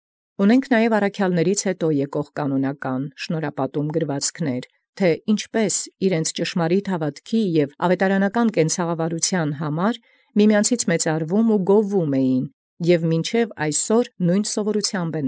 Ունիմք և զկանոնական յաջորդեալ յառաքելոցն անտի զշնորհապատում գրեալսն, եթէ ո՛րպէս մեծարեալք ի միմեանց, գովեալք ըստ ճշմարիտ հաւատոյն և ըստ աւետարանագործ կրաւնից, մինչև ցայսաւր ժամանակի նովին սովորութեամբ։